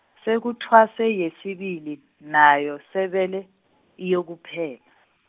sekuthwase yesibili nayo sebele, iyokuphela.